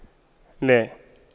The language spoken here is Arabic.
لا